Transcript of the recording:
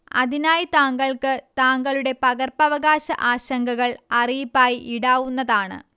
അതിനായി താങ്കൾക്ക് താങ്കളുടെ പകർപ്പവകാശ ആശങ്കകൾ അറിയിപ്പായി ഇടാവുന്നതാണ്